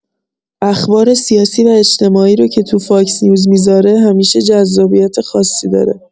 اخبار سیاسی و اجتماعی رو که تو فاکس‌نیوز می‌ذاره، همیشه جذابیت خاصی داره.